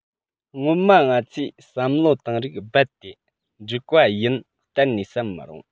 སྔོན མ ང ཚོས བསམ བློ བཏང རིགས རྦད དེ འགྲིག པ ཡིན གཏན ནས བསམ མི རུང